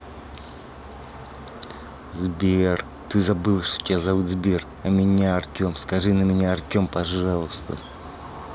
сбер ты забыла что тебя зовут сбер а меня артем скажи на меня артем пожалуйста